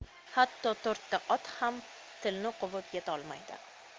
hatto to'rtta ot ham tilni quvib yetolmaydi